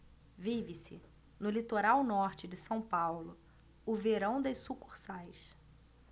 vive-se no litoral norte de são paulo o verão das sucursais